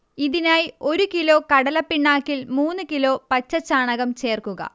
ഇതിനായി ഒരു കിലോ കടലപ്പിണ്ണാക്കിൽ മൂന്ന് കിലോ പച്ചച്ചാണകം ചേർക്കുക